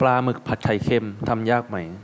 ปลาหมึกผัดไข่เค็มทำยากไหม